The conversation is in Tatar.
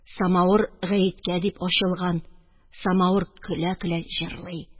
Самавыр гаеткә дип ачылган , самавыр көлә-көлә җырлый